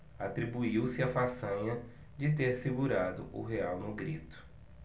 atribuiu-se a façanha de ter segurado o real no grito